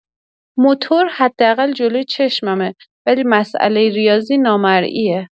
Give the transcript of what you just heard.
موتور حداقل جلوی چشممه، ولی مسئله ریاضی نامرئیه.